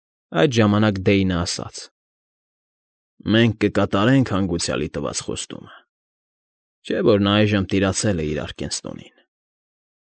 Այդ ժամանակ Դեյնը ասաց. ֊ Մենք կկատարենք հանգուցյալի տված խոստումը. չէ՞ որ նա այժմ տիրացել է իր Արկենստոնին։